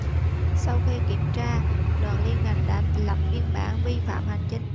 sau khi kiểm tra đoàn liên ngành đã lập biên bản vi phạm hành chính